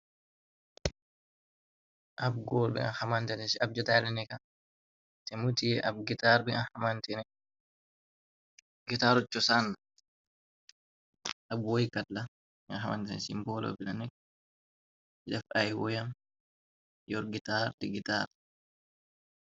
Ab góor bi nga xamantené si ab jotaay la nekka te mu tiyee ab gitaar ni nga xamante ne, gitaaru coosàn la. Ab woykat la, nga xamante si mboolo bi la nekk di def ay woyam, yor gitaar di gitaar.